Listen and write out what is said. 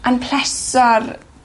yn pleso'r...